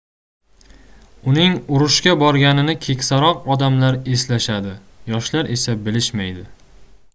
uning urushga borganini keksaroq odamlar eslashadi yoshlar esa bilishmaydi